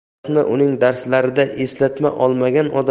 tarixni uning darslarida eslatma olmagan